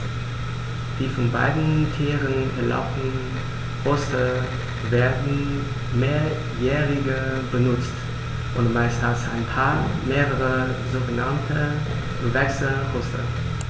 Die von beiden Tieren erbauten Horste werden mehrjährig benutzt, und meist hat ein Paar mehrere sogenannte Wechselhorste.